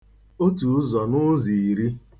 otùuzọ̀ nụụzọ̀ ìri